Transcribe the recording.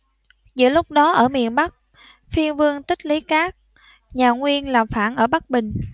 giữa lúc đó ở miền bắc phiên vương tích lý cát nhà nguyên làm phản ở bắc bình